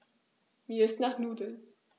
Mir ist nach Nudeln.